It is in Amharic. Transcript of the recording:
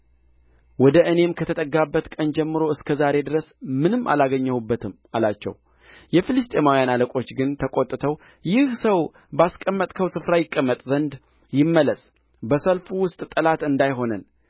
ወደ እኔም ከተጠጋበት ቀን ጀምሮ እስከ ዛሬ ድረስ ምንም አላገኘሁበትም አላቸው የፍልስጥኤማውያን አለቆች ግን ተቆጥተው ይህ ሰው ባስቀመጥኸው ስፍራ ይቀመጥ ዘንድ ይመለስ በሰልፉ ውስጥ ጠላት እንዳይሆነን